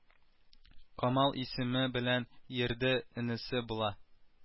Камал исеме белән йөрде энесе була